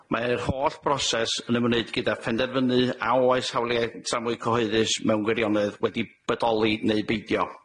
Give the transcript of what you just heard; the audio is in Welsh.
Mae yr holl broses yn ymwneud gyda phenderfynu a oes hawliau tramwy cyhoeddus mewn gwirionedd wedi bodoli neu beidio.